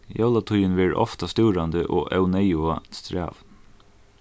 jólatíðin verður ofta stúrandi og óneyðuga strævin